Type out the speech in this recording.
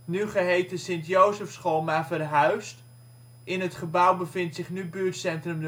geheten St. Josefschool maar verhuisd; in het gebouw bevindt zich nu buurtcentrum